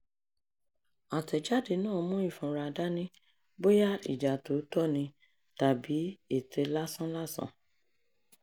Àtẹ̀jáde náà mú ìfura dání bóyá ìjà tòótọ́ ni tàbí ète lásán-làsàn: